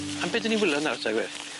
Am be' 'dyn ni'n wilo nawr te gwed?